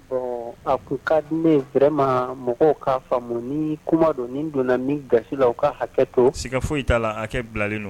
Bɔn a tun ka den yɛrɛ ma mɔgɔw k'a faamu ni kuma don nin donna min gasi la u ka hakɛ to siga foyi t' la hakɛ bilalen don